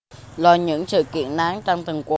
là những sự kiện nóng trong tuần qua